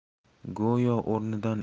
go'yo o'rnidan irg'ib